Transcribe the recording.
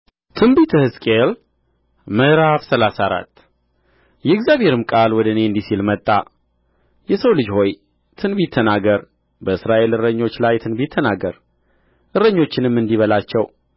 በትንቢተ ሕዝቅኤል ምዕራፍ ሰላሳ አራት የእግዚአብሔርም ቃል ወደ እኔ እንዲህ ሲል መጣ የሰው ልጅ ሆይ ትንቢት ተናገር በእስራኤል እረኞች ላይ ትንቢት ተናገር እረኞችንም እንዲህ በላቸው